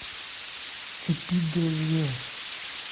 ты пидарас